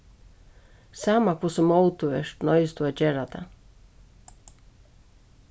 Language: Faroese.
sama hvussu móð tú ert noyðist tú at gera tað